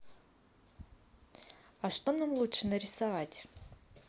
а что нам лучше нарисовать